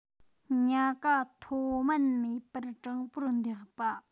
ཉ ག མཐོ དམན མེད པར དྲང པོར འདེགས པ